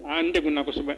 An degunna kosɛbɛ